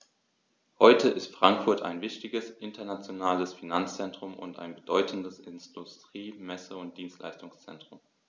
Heute ist Frankfurt ein wichtiges, internationales Finanzzentrum und ein bedeutendes Industrie-, Messe- und Dienstleistungszentrum.